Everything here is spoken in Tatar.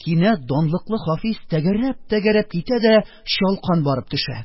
Кинәт данлыклы Хафиз тәгәрәп-тәгәрәп китә дә чалкан барып төшә!